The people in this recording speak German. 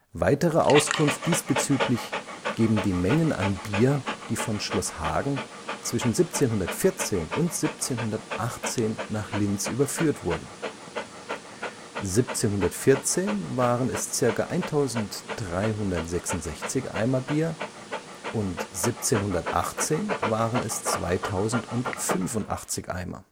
Weitere Auskunft diesbezüglich geben die Mengen an Bier, die von Schloss Hagen zwischen 1714 und 1718 nach Linz überführt wurden: 1714 waren es zirka 1366 Eimer Bier, 1715 1629 Eimer, 1716 1399 Eimer, 1717 1756 Eimer und 1718 waren es 2085 Eimer